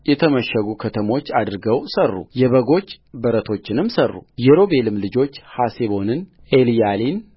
የተመሸጉ ከተሞች አድርገው ሠሩ የበጎች በረቶችንም ሠሩየሮቤልም ልጆች ሐሴቦንን ኤልያሊን